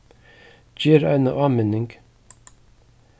ger eina áminning